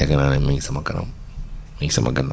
yaakaar naa ne mi ngi sama kanam mi ngi sama gannaaw